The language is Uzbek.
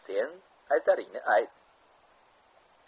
sen aytaringni ayt